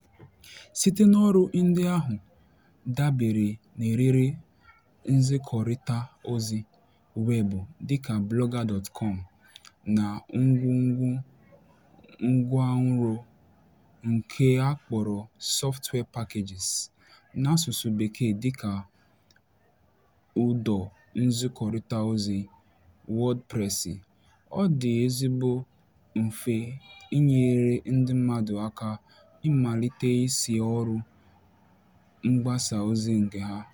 Site n'ọrụ ndị ahụ dabere n'eriri nzikọrịtaozi weebụ dịka Blogger.com na ngwugwu ngwanro nke a kpọrọ 'software packages' n'asụsụ Bekee dịka ụdọ nzikọrịtaozi Wodpresi, ọ dị ezigbo mfe ịnyere ndị mmadụ aka ịmalite isi ọrụ mgbasa ozi nke ha.